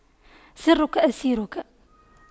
سرك أسيرك